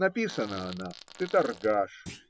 написана она - ты торгаш